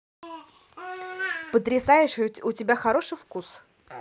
потрясающий у тебя хороший вкус